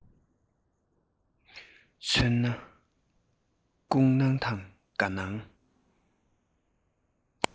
མཚོན ན སྐྲག སྣང དང དགའ སྣང